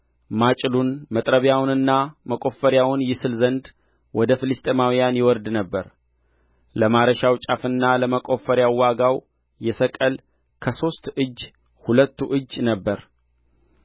ማጭዱን መጥረቢያውንና መቆፈሪያውን ይስል ዘንድ ወደ ፍልስጥኤማውያን ይወርድ ነበር ለማረሻው ጫፍና ለመቆፈሪያው ዋጋው የሰቅል ከሶስት እጅ ሁለቱ እጅ ነበረ